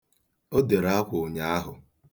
O dere akwa ụnyaahụ